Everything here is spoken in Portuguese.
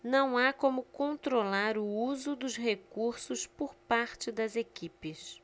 não há como controlar o uso dos recursos por parte das equipes